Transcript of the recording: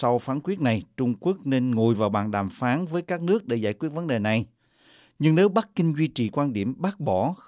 sau phán quyết này trung quốc nên ngồi vào bàn đàm phán với các nước để giải quyết vấn đề này nhưng nếu bắc kinh duy trì quan điểm bác bỏ